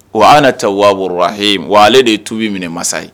wa ale de ye tubi minɛ mansa ye